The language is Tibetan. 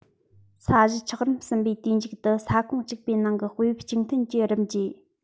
ས གཞི ཆགས རིམ གསུམ པའི དུས མཇུག ཏུ ས ཁོངས གཅིག པའི ནང གི དཔེ དབྱིབས གཅིག མཐུན གྱི རིམ བརྗེ